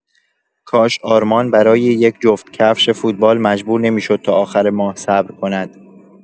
کاش آرمان برای یک جفت کفش فوتبال مجبور نمی‌شد تا آخر ماه صبر کند.